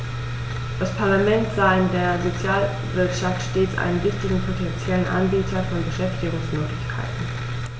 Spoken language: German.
Das Parlament sah in der Sozialwirtschaft stets einen wichtigen potentiellen Anbieter von Beschäftigungsmöglichkeiten.